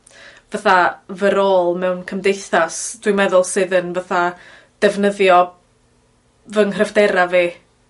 fatha fy rôl mewn cymdeithas dwi'n meddwl sydd yn fatha defnyddio fy nghryfdera fi.